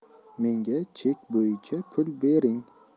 menga chek boyicha pul bering